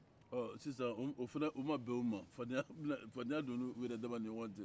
ɔ sisan o-o fana ma bɛn o ma fadenya donna u yɛrɛdama ni ɲɔgɔn cɛ